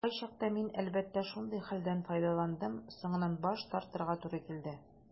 Кайчакта мин, әлбәттә, шундый хәлдән файдаландым - соңыннан баш тартырга туры килде.